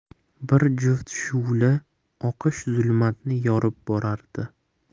bir juft shu'la oqish zulmatni yorib borardi